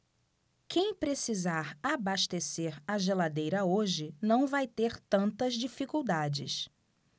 quem precisar abastecer a geladeira hoje não vai ter tantas dificuldades